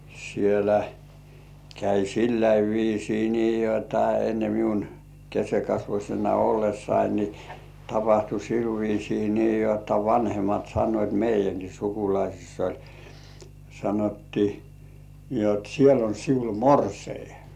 siellä kävi sillä viisiin niin jotta ennen minun keskenkasvuisena ollessani niin tapahtui sillä viisiin niin jotta vanhemmat sanoivat meidänkin sukulaisissa oli sanottiin niin jotta siellä on sinulla morsian